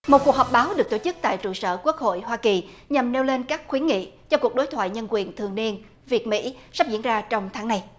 một cuộc họp báo được tổ chức tại trụ sở quốc hội hoa kỳ nhằm nêu lên các khuyến nghị cho cuộc đối thoại nhân quyền thường niên việt mỹ sắp diễn ra trong tháng này